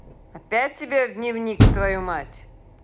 опять тебе в дневник твою мать